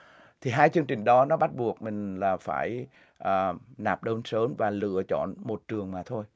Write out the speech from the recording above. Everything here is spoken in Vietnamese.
thì hai chương trình đó nó bắt buộc mình là phải à nạp đơn sớm và lựa chọn một trường mà thôi